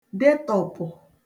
detọ̀pụ̀